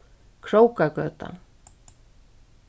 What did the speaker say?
krókagøta